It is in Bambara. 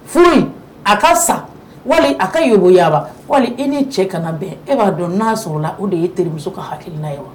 Furu in a ka sa wali a ka yobo yaba wali i n'i cɛ kana bɛn e b'a dɔn n'aa sɔrɔ la o de y'e terimuso ka hakiliina ye wa